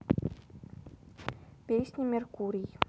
песня меркурий